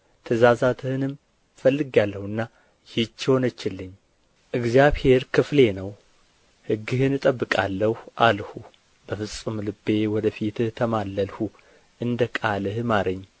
ትእዛዛትህንም ፈልጌአለሁና ይህች ሆነችልኝ እግዚአብሔር ክፍሌ ነው ሕግህን እጠብቃለሁ አልሁ በፍጹም ልቤ ወደ ፊትህ ተማለልሁ እንደ ቃልህ ማረኝ